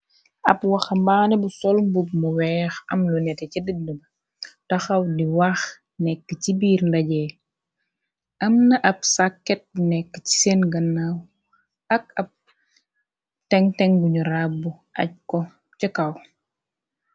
ab waxambaane bu sol bub mu weex am lu nete ca dind ba taxaw di wax nekk ci biir ndajee am na ab sàket nekk ci seen gannaw ak ab tenten guñu rabb aj ko ca kaw.